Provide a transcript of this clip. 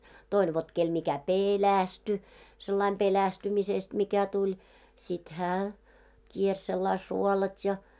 toinen vot kenelle mikä pelästyi sellainen pelästymisestä mikä tuli sitten hän kiersi sillä lailla suolat ja